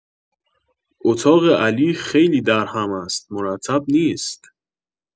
اتاق علی خیلی درهم است مرتب نیست